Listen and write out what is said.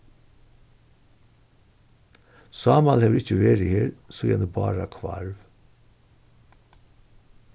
sámal hevur ikki verið her síðan bára hvarv